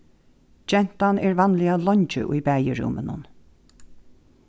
gentan er vanliga leingi í baðirúminum